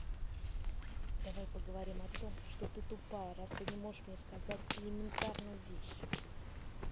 давай поговорим о том что ты тупая раз ты не можешь мне сказать элементарную вещь